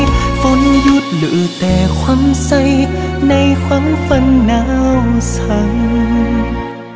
mưa trôi để lại ngây thơ trong giấc mơ buốt lạnh